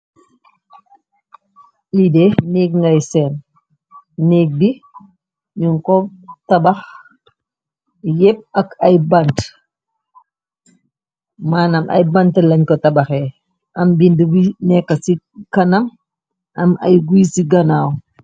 lidée néeg ngay seen néeg bi ñu ko tabax yépp ak ay bant manam ay bant lañ ko tabaxe am bind bi nekk ci kanam am ay guy ci ganaaw